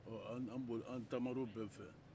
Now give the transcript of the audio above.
ɔ an taamana o bɛɛ fɛ